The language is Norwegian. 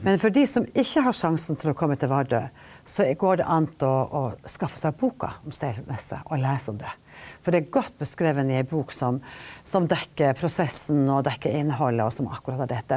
men for de som ikke har sjansen til å komme til Vardø, så går det an å å skaffe seg boka om Steilneset og lese om det, for det er godt beskrevet i ei bok som som dekker prosessen og dekker innholdet og som akkurat av dette.